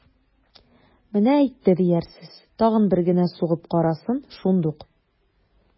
Менә әйтте диярсез, тагын бер генә сугып карасын, шундук...